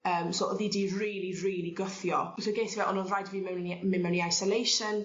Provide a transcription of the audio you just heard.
Yym so o'dd 'i 'di rili rili gwthio so ges i fe on' o'dd raid fi mewn i yy myn' mewn i isolation